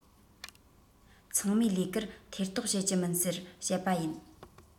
ཚང མའི ལས ཀར ཐེ གཏོགས བྱེད ཀྱི མིན ཟེར བཤད པ ཡིན